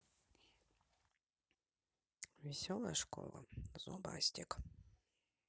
веселая школа зубастик